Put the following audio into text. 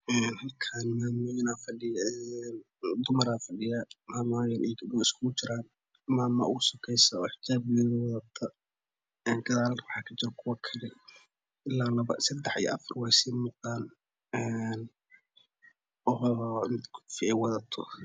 Een halkaan maamooyin aa fadhiyo een dumaraa aa fadhiyo maamooyin iyo gabdho isugu jiraan maama oogu sogayso oo xijaab gaduudan wadato een gadaalna waxaa ka jira kuwa kale ilaa 2 3 iyo 4 way sii muuqdaan een oo mid koofi ay wadato